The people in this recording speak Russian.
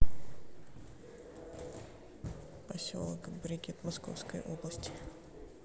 поселок брикет московской области